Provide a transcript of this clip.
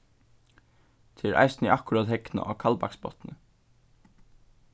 tað er eisini akkurát hegnað á kaldbaksbotni